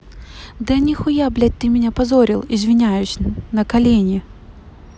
да нихуя блядь ты меня позорил извиняюсь на колени